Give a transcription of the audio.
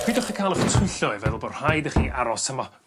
peidwch â ca'l 'ych twyllo i feddwl bo' rhaid i chi aros yma